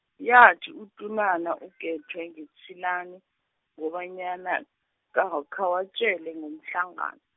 yathi utunwana uGethwe ngetshilani, ngobanyana, khawa- khawatjele, ngomhlangano.